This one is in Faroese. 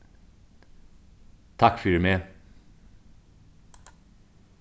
takk fyri meg